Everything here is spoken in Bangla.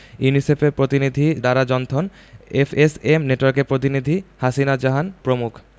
ইউনিসেফের প্রতিনিধি ডারা জনথন এফএসএম নেটওয়ার্কের প্রতিনিধি হাসিনা জাহান প্রমুখ